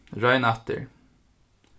royn aftur